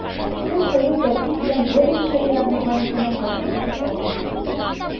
Көн саен тәртип белән берничә ир-атны военкоматка чакыртып алганнар.